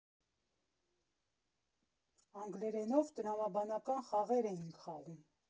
Անգլերենով տրամաբանական խաղեր էինք խաղում։